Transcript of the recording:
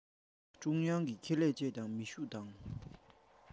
ཀྲུང དབྱང གི ཁེ ལས བཅས ཀྱིས མི ཤུགས དང